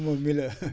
moom mii la